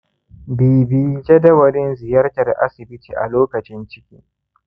bibiyi jadawalin ziyartar asibiti a lokacin ciki